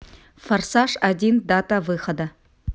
форсаж один дата выхода